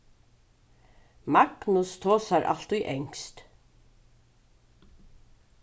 magnus tosar altíð enskt